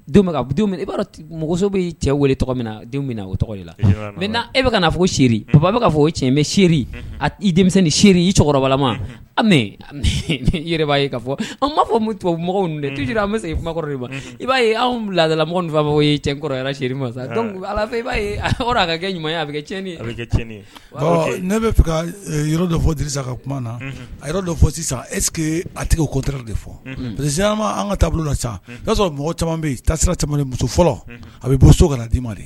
Don'a mɔgɔ bɛ cɛ wele min na min na o tɔgɔ la n e bɛ kaa fɔ se baba bɛa fɔ cɛ bɛ se a denmisɛn ni se i cɛkɔrɔbama b'a ka fɔ an b'a fɔji an bɛ se kumakɔrɔ ma i b'a anw biladalamɔgɔ b ye cɛ kɔrɔ masa ala fɛ i b'a ka kɛ ɲuman a bɛ kɛɲɛn ne bɛ fɛ yɔrɔ dɔ fɔsa ka kuma na a yɔrɔ dɔ fɔ sisan eseke a tigi kotari de fɔ parce quema an ka taabolo lac y'a sɔrɔ mɔgɔ caman bɛ ta sira ni muso fɔlɔ a bɛ bɔ so ka dii ma ye